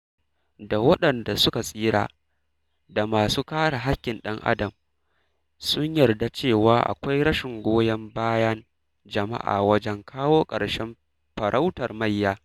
Da waɗanda suka tsira da masu kare haƙƙin ɗam adam sun yarda cewa akwai rashin goyon bayan jama'a wajen kawo ƙarshen farautar mayya.